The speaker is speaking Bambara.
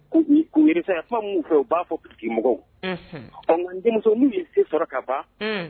Ko b'i kuniri a kuma minnu fɛ u b'a fɔ mɔgɔw nka denmuso minnu ye se sɔrɔ ka ban